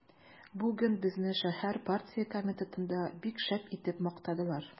Бүген безне шәһәр партия комитетында бик шәп итеп мактадылар.